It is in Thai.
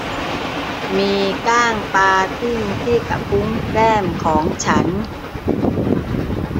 มีก้างปลาทิ่มที่กระพุ้งแก้มของฉัน